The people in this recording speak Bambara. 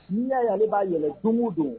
N'i y'a y'ale b'a yɛlɛ don o don